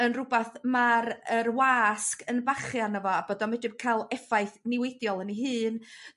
yn rywbath ma'r yr wasg yn bachu arno fo a bod o'n medru ca'l effaith newidiol yn e' hun.